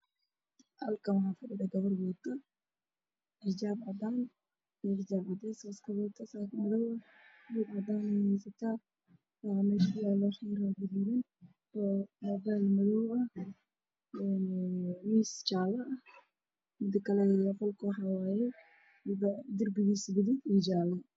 Meeshan waa baraafad caafimaad ah gabar ayaa ku fadhida kursi waxa ay wadatay xijaab cadaan ah ka dambeeyay wajahno waana iskuul